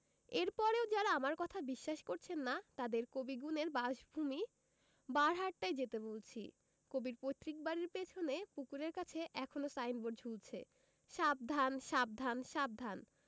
এর পরেও যারা আমার কথা বিশ্বাস করছেন না তাঁদের কবি গুণের বাসভূমি বারহাট্টায় যেতে বলছি কবির পৈতৃক বাড়ির পেছনে পুকুরের কাছে এখনো সাইনবোর্ড ঝুলছে সাবধান সাবধান সাবধান